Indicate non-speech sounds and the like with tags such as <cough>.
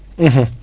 <hesitation> <hesitation>